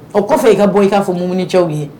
O kɔfɛ i ka bɔ i k'a fɔ muminicɛw ye